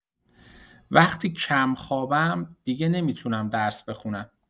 وقتی کم‌خوابم دیگه نمی‌تونم درس بخونم.